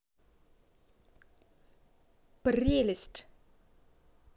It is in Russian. прелесть